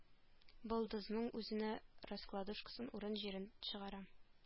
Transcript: Болдызның үзенә раскладушкасын урын җирен чыгарам